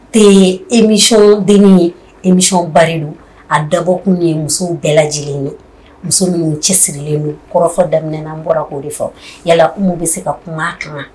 To emiden ye emi nisɔnba a dabɔ tun ye muso bɛɛ lajɛlen ye muso minnu cɛ sigilenlen kɔrɔfɔ damin n bɔra k'o de fɔ yala minnu bɛ se ka kuma kan